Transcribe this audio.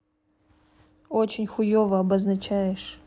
очень хуево обозначаешь